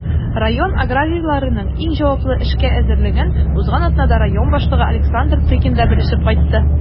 Район аграрийларының иң җаваплы эшкә әзерлеген узган атнада район башлыгы Александр Тыгин да белешеп кайтты.